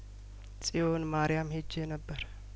ጺዮን ማሪያም ሄጄ ነበር